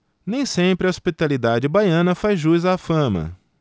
nem sempre a hospitalidade baiana faz jus à fama